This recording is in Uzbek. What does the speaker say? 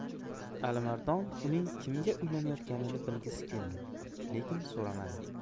alimardon uning kimga uylanayotganini bilgisi keldi lekin so'ramadi